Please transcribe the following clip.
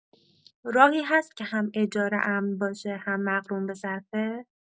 راهی هست که هم اجاره امن باشه هم مقرون‌به‌صرفه؟